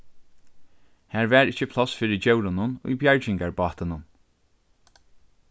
har var ikki pláss fyri djórunum í bjargingarbátinum